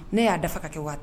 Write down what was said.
Ne y'a dafa ka kɛ waati